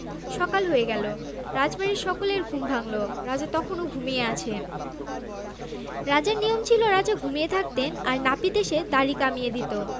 সকাল হয়ে গেল রাজবাড়ির সকলের ঘুম ভাঙল রাজা তখনও ঘুমিয়ে আছেন রাজার নিয়ম ছিল রাজা ঘুমিয়ে থাকতেন আর নাপিত এসে দাঁড়ি কমিয়ে দিত